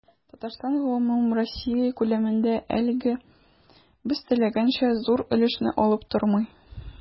Татарстан гомумроссия күләмендә, әлегә без теләгәнчә, зур өлешне алып тормый.